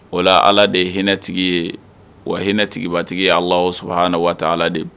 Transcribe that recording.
O la ala de ye hinɛtigi ye wa h hinɛtigibatigi ala o suha waati ala de